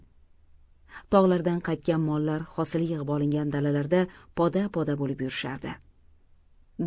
tog'lardan qaytgan mollar hosili yig'ib olingan dalalarda poda poda bo'lib yurishardi